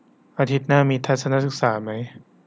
อาทิตย์หน้ามีทัศนศึกษามั้ย